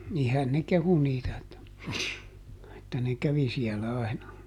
niinhän ne kehui niitä että että ne kävi siellä aina